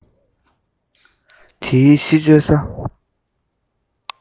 དེའི གཞི བཅོལ ས